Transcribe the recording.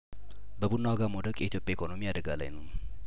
በቡና ዋጋ መውደቅ የኢትዮጵያ ኢኮኖሚ አደጋ ላይ ነው